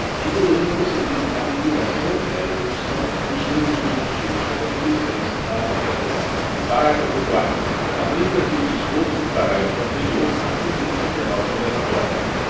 que poderão proceder à liquidação e à execução nos termos dos artigos noventa e seis a noventa e nove parágrafo quarto aplicase o disposto no parágrafo anterior à sentença penal condenatória